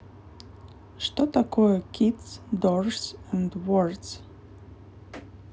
что такое kids doors and words